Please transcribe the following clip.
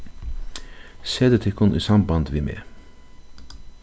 setið tykkum í samband við meg